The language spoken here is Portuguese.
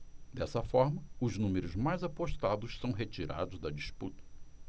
dessa forma os números mais apostados são retirados da disputa